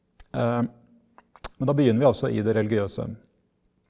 men da begynner vi altså i det religiøse.